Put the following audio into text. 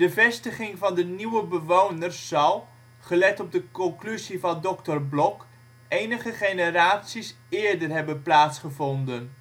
vestiging van de nieuwe bewoners zal, gelet op de conclusie van Dr. Blok, enige generaties eerder hebben plaatsgevonden